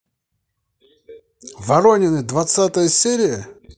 воронины двадцатая серия